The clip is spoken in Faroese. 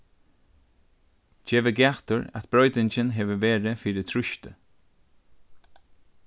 gevið gætur at broytingin hevur verið fyri trýsti